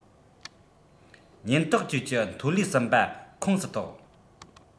ཉེན རྟོག ཅུའུ ཀྱི ཐོན ལས གསུམ པ ཁོངས སུ གཏོགས